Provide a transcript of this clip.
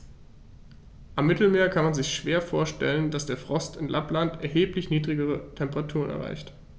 Am Mittelmeer kann man sich schwer vorstellen, dass der Frost in Lappland erheblich niedrigere Temperaturen erreicht.